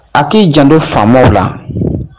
A k'i janto faamu la